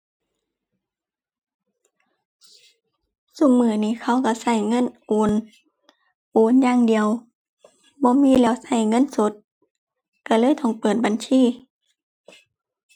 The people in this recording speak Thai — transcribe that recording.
ซุมื้อนี้เขาก็ก็เงินโอน โอนอย่างเดียว บ่มีแล้วก็เงินสด ก็เลยต้องเปิดบัญชี